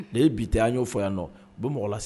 Ni ye bi ta ye, an y'o fɔ yan nɔ, bon mɔgɔ la